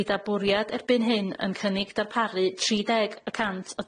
Gyda bwriad erbyn hyn yn cynnig darparu tri deg y cant